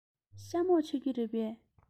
ཤ མོག མཆོད ཀྱི རེད པས